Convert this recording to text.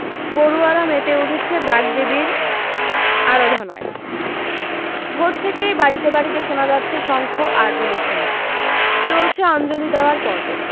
পড়ুয়ারা মেতে উঠেছে বাগদেবীর আরাধনায় ভোর থেকেই বাড়ীতে বাড়ীতে শোনা যাচ্ছে শঙ্খ আর উলুধ্বনি চলছে অঞ্জলি দেওয়ার পর্ব